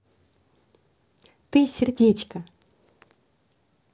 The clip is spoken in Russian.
ты сердечко